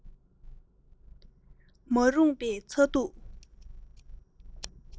མ རུངས པའི ཚ གདུག